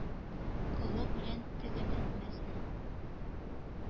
Коллык белән төгәлләнмәсен!